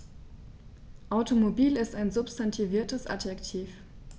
Automobil ist ein substantiviertes Adjektiv.